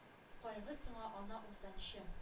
— кайгы сиңа, ана, уртанчы